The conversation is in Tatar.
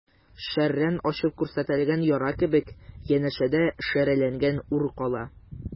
Шәрран ачып күрсәтелгән яра кебек, янәшәдә шәрәләнгән ур кала.